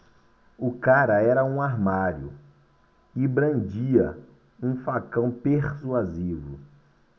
o cara era um armário e brandia um facão persuasivo